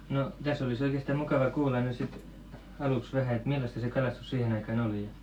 no tässä olisi oikeastaan mukava kuulla nyt sitten aluksi vähän että millaista se kalastus siihen aikaan oli